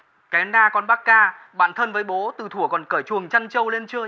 cái na con bác ca bạn thân với bố từ thuở còn cởi chuồng chăn trâu lên chơi